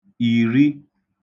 ìri